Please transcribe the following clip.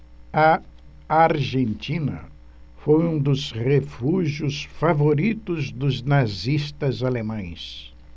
a argentina foi um dos refúgios favoritos dos nazistas alemães